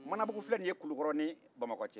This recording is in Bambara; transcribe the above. manabugu filɛ nin ye kulukɔrɔ ni bamakɔ cɛ